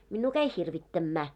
minua kävi hirvittämään